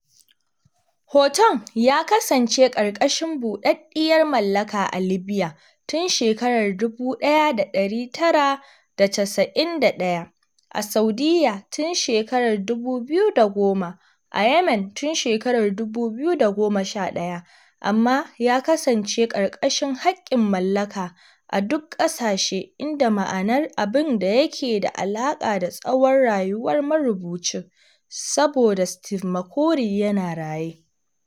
Hoton ya kasance ƙarƙashin buɗaɗɗiyar mallaka a Libya tun 1991, a Saudiya tun 2010, a Yemen tun 2011, amma ya kasance ƙarƙashin haƙƙin mallaka a duk ƙasashe, inda ma'nar abin da yake da alaƙa da tsawon rayuwar marubucin, saboda Steve McCurry yana raye.